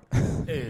Ee